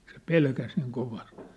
se pelkäsi niin kovasti